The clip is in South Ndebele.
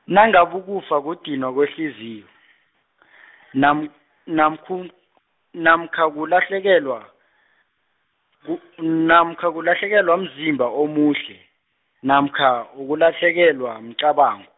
nangabukufa kudinwa kwehliziyo , nam- namkhun- namkhukulahlekelwa, ku namkhukulahlekelwa umzimba omuhle, namkha ukulahlekelwa mqabango.